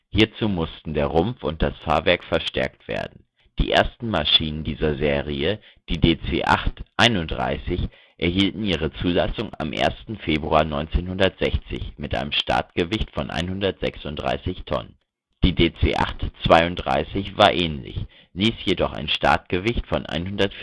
Hierzu mussten der Rumpf und das Fahrwerk verstärkt werden. Die ersten Maschinen dieser Serie, die DC-8-31, erhielten ihre Zulassung am 1. Februar 1960 mit einem Startgewicht von 136 Tonnen. Die DC-8-32 war ähnlich, ließ jedoch ein Startgewicht von 140